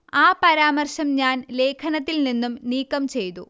ആ പരാമർശം ഞാൻ ലേഖനത്തിൽ നിന്നും നീക്കം ചെയ്തു